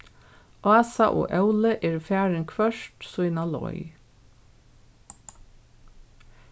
ása og óli eru farin hvørt sína leið